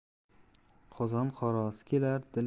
qozon qorasi ketar